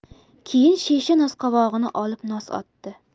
keyin shisha nosqovog'ini olib nos otdi